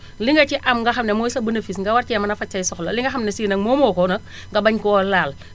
li nga ci am nga xam ne mooy sa bénéfice nga war cee mën a faj say soxla li nga xam ne sii nag moomoo ko nag nga bañ koo laal